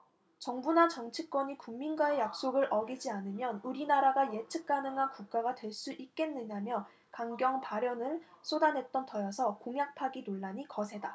정부나 정치권이 국민과의 약속을 어기지 않으면 우리나라가 예측 가능한 국가가 될 수 있겠느냐며 강경 발언을 쏟아냈던 터여서 공약 파기 논란이 거세다